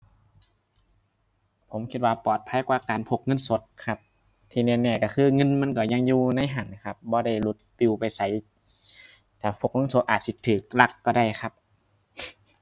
ผมคิดว่าปลอดภัยกว่าการพกเงินสดครับ ที่แน่แน่ก็คือเงินมันก็ยังอยู่ในหั้นครับ บ่ได้หลุดปลิวไปไส ถ้าพกเงินสดอาจสิก็ลักก็ได้ครับ